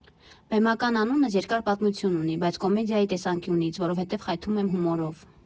Բեմական անունս երկար պատմություն ունի, բայց կոմեդիայի տեսանկյունից՝ որովհետև խայթում եմ հումորով։